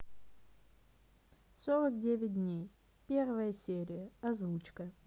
сорок девять дней первая серия озвучка